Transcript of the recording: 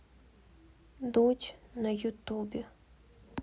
дудь на ютубе